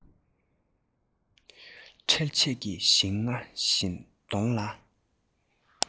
འཕྲུལ ཆས ཀྱིས ཞིང རྔ བཞིན གདོང ལ